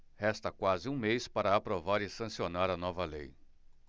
resta quase um mês para aprovar e sancionar a nova lei